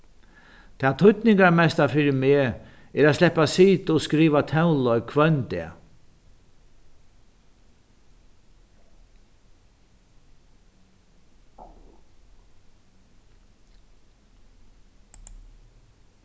tað týdningarmesta fyri meg er at sleppa at sita og skriva tónleik hvønn dag